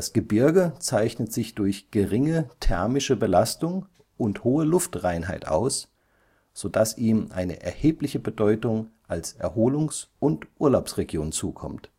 Gebirge zeichnet sich durch geringe thermische Belastung und hohe Luftreinheit aus, so dass ihm eine erhebliche Bedeutung als Erholungs - und Urlaubsregion zukommt